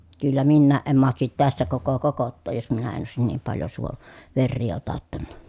kyllä minäkään en mahtaisi tässä koko kokottaa jos minä en olisi niin paljon - veriä otattanut